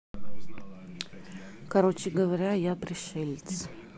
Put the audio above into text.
короче говоря я пришелец